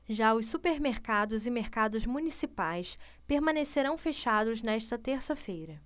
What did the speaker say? já os supermercados e mercados municipais permanecerão fechados nesta terça-feira